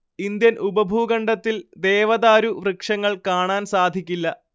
Indian ഉപഭൂഖണ്ഡത്തിൽ ദേവദാരു വൃക്ഷങ്ങൾ കാണാൻ സാധിക്കില്ല